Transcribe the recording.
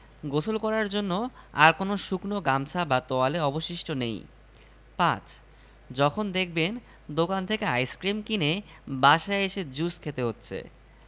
রসআলো feature হতে সংগৃহীত লিখেছেনঃ আশফাকুর রহমান ও আন্ নাসের নাবিল প্রকাশের সময়ঃ ২৩ জুলাই ২০১৮